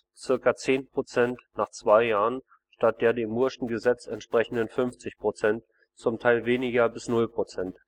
ca. 10 % nach 2 Jahren statt der dem mooreschen Gesetz entsprechenden 50 %, z. T. weniger bis 0 %